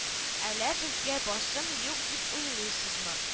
Әллә безгә басым юк дип уйлыйсызмы